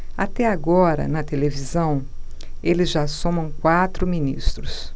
até agora na televisão eles já somam quatro ministros